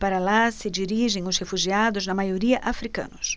para lá se dirigem os refugiados na maioria hútus